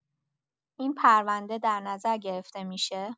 این پرونده در نظر گرفته می‌شه؟